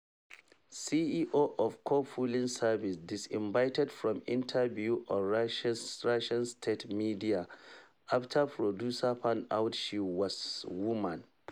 CEO of carpooling service disinvited from interview on Russian state media after producer found out she was a woman